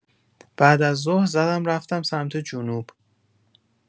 بعدازظهر زدم رفتم سمت جنوب.